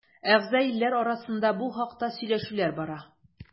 Әгъза илләр арасында бу хакта сөйләшүләр бара.